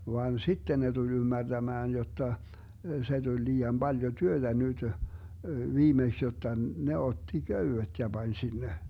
vaan sitten ne tuli ymmärtämään jotta se tuli liian paljon työtä nyt viimeksi jotta ne otti köydet ja pani sinne